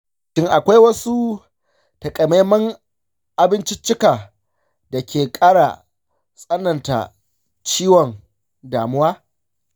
shin akwai wasu taƙamaiman abinciccika da ke ƙara tsananta ciwon damuwa?